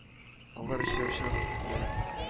Алар өчәү чыгып киттеләр: